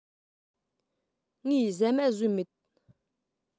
ངས ཟ མ ཟོས མེད